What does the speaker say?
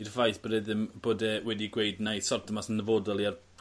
gyda ffaith bod e ddim bod e wedi gweud 'nai sorto mas 'yn nyfodol i ar